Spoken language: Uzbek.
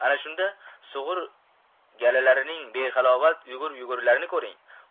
ana shunda sug'ur galalarining behalovat yugur yugurlarini ko'ring